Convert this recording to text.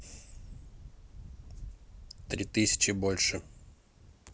три тысячи больше